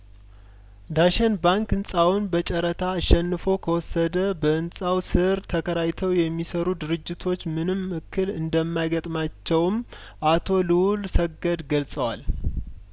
ዳሸን ባንክ ህንጻውን በጨረታ አሸንፎ ከወሰደ በህንጻው ስር ተከራይተው የሚሰሩ ድርጅቶች ምንም እክል እንደማይገጥማቸውም አቶ ልኡል ሰገድ ገልጸዋል